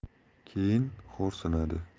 keyin xo'rsinadi